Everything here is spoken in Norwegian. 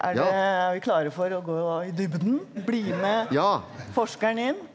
er det er vi klare for å gå i dybden bli med forskeren inn?